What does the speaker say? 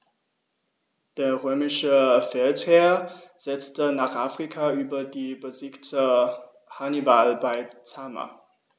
Der römische Feldherr setzte nach Afrika über und besiegte Hannibal bei Zama.